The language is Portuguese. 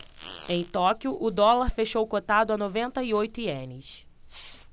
em tóquio o dólar fechou cotado a noventa e oito ienes